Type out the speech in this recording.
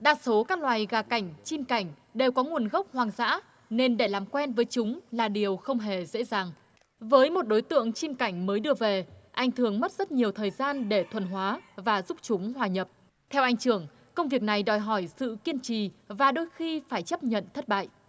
đa số các loài gà cảnh chim cảnh đều có nguồn gốc hoang dã nên để làm quen với chúng là điều không hề dễ dàng với một đối tượng chim cảnh mới đưa về anh thường mất rất nhiều thời gian để thuần hóa và giúp chúng hòa nhập theo anh trưởng công việc này đòi hỏi sự kiên trì và đôi khi phải chấp nhận thất bại